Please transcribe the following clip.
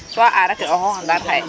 so aar ake o xooxangan xay